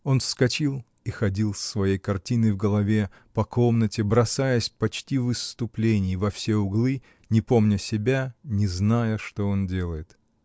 Он вскочил и ходил с своей картиной в голове по комнате, бросаясь почти в исступлении во все углы, не помня себя, не зная, что он делает.